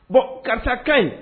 Bon karisa kaɲi